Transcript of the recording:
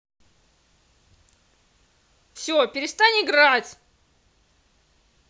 все перестань играть